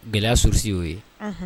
Gɛlɛya source yo ye ɔnhɔn